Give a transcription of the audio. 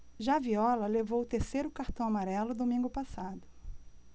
já viola levou o terceiro cartão amarelo domingo passado